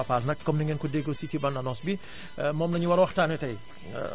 Fappal nag comme ni ngeen ko déggee aussi ci bande annonce bi moom lañu war a waxtaanee tay